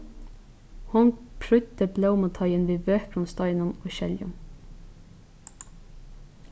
hon prýddi blómuteigin við vøkrum steinum og skeljum